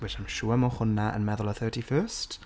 which I'm sure ma' hwna yn meddwl y thirty first?